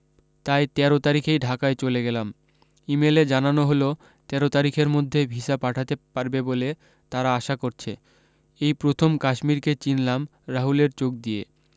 তাই তেরো তারিখেই ঢাকায় চলে গেলাম ইমেলে জানানো হলো তেরো তারিখের মধ্যে ভিসা পাঠাতে পারবে বলে তারা আশা করছে এই প্রথম কাশ্মীরকে চিনলাম রাহুলের চোখ দিয়ে